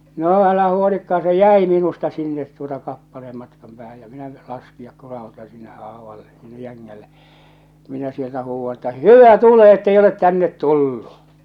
no älähän huolikaan se jäi minusta sinne tuota kappaleen matkan päähän ja minä laskea kurautan sinne aavalle sinne jängälle minä sieltä huudan että hyvä tule että ei ole tänne tullut